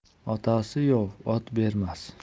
otasi yov ot bermas